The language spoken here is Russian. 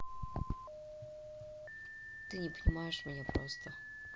ты не понимаешь меня просто